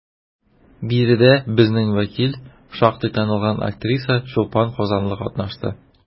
Биредә безнең вәкил, шактый танылган актриса Чулпан Казанлы катнашты.